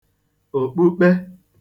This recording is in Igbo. òkpukpe